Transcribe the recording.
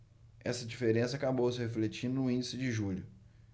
esta diferença acabou se refletindo no índice de julho